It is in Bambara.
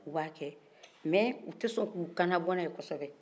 u ba kɛ mais u tɛ sɔn k'u kan labɔnan ye kɔsɛbɛ